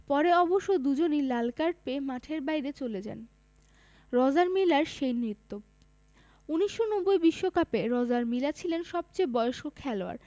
পরে অবশ্য দুজনই লাল কার্ড পেয়ে মাঠের বাইরে চলে যান রজার মিলার সেই নৃত্য ১৯৯০ এর বিশ্বকাপে রজার মিলা ছিলেন সবচেয়ে বয়স্ক খেলোয়াড়